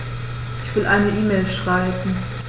Ich will eine E-Mail schreiben.